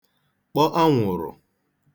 kpọ anwụ̀rụ̀